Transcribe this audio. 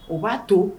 O b'a to